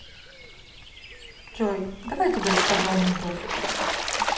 джой давай я тебе расскажу анекдот